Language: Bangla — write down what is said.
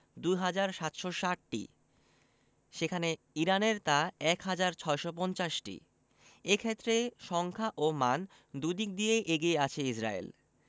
২ হাজার ৭৬০টি সেখানে ইরানের তা ১ হাজার ৬৫০টি এ ক্ষেত্রে সংখ্যা ও মান দুদিক দিয়েই এগিয়ে আছে ইসরায়েল